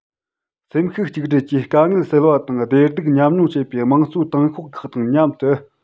སེམས ཤུགས གཅིག སྒྲིལ གྱིས དཀའ ངལ སེལ བ དང བདེ སྡུག མཉམ མྱོང བྱེད པའི དམངས གཙོའི ཏང ཤོག ཁག དང མཉམ དུ